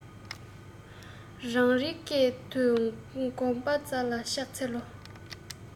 རང རེའི སྐད དུ གོ བརྡ ལ ཕྱག འཚལ ལོ